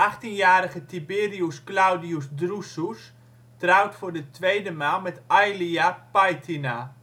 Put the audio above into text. De 18-jarige Tiberius Claudius Drusus trouwt voor de tweede maal met Aelia Paetina